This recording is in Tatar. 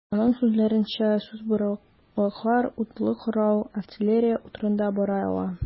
Аның сүзләренчә, сүз боралаклар, утлы корал, артиллерия турында бара ала.